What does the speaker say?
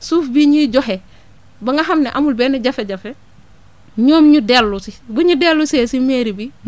suuf bii ñuy joxe ba nga xam ne amul benn jafe-jafe ñoom ñu dellu si buñu dellu see si mairie bi